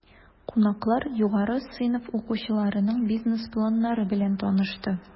Кунаклар югары сыйныф укучыларының бизнес планнары белән танышты.